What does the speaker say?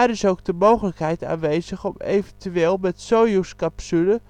is ook de mogelijkheid aanwezig om eventueel met Sojoez-capsule